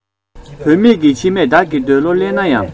བུད མེད ཀྱི མཆི མས བདག གི འདོད བློ བརླན ན ཡང